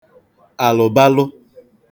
àlụ̀balụ